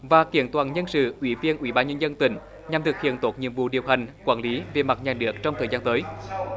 và kiện toàn nhân sự ủy viên ủy ban nhân dân tỉnh nhằm thực hiện tốt nhiệm vụ điều hành quản lý về mặt nhà nước trong thời gian tới